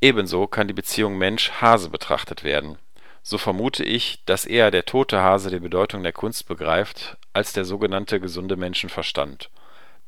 Ebenso kann die Beziehung Mensch – Hase betrachtet werden: „ So vermute ich, dass eher der tote Hase die Bedeutung der Kunst begreift, als der sogenannte gesunde Menschenverstand.